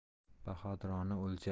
bahodirona o'lja